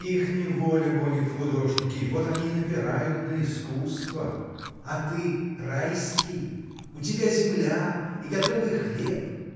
Их неволя гонит в художники, вот они и напирают на искусство. А ты — Райский! У тебя земля и готовый хлеб.